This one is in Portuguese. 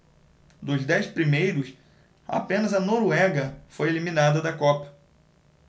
dos dez primeiros apenas a noruega foi eliminada da copa